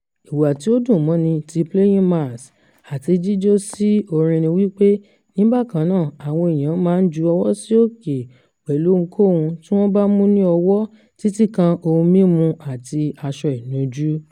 Ìwà tí ó dùn mọ́ni ti "playing mas'" àti jíjó sí orin ni wípé ní bákan, àwọn èèyàn máa ń ju ọwọ́ sí òkè, pẹ̀lú ohunkóhun tí wọ́n bá mú ní ọwọ́, títì kan ohun-mímu àti aṣọ inujú.